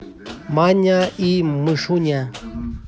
маня и мышуня